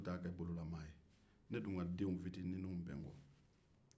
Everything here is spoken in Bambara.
ne dun ka denw fitinin bɛ n kɔ